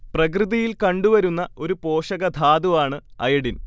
പ്രകൃതിയിൽ കണ്ടു വരുന്ന ഒരു പോഷകധാതുവാണ് അയഡിൻ